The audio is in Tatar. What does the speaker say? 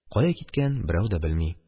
Кая киткән? Берәү дә белми.